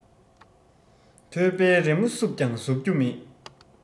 ཐོད པའི རི མོ བསུབས ཀྱང ཟུབ རྒྱུ མེད